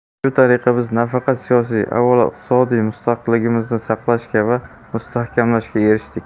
shu tariqa biz nafaqat siyosiy avvalo iqtisodiy mustaqilligimizni saqlashga va mustahkamlashga erishdik